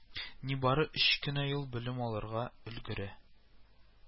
Нибары өч кенә ел белем алырга өлгерә